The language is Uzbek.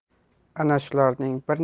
ana shularning bir